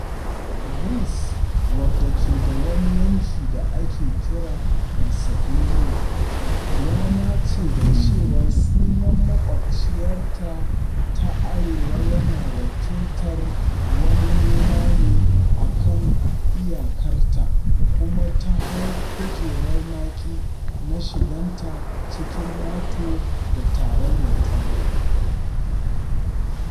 Greece, wadda ke da wani yanki da ake kira Macedonia, ya nace da cewa sunan makwabciyarta ta arewa yana wakiltar wani nema ne a kan iyakarta kuma ta hau-kujerar-na-ki na shiganta cikin NATO da Tarayyar Turai.